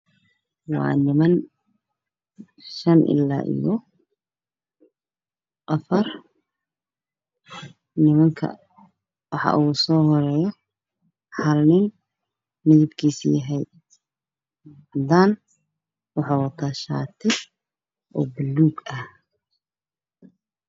Waa niman Shan ilaa afar ah, ninka ugu soo horeeyo waxuu wataa shaati buluug ah.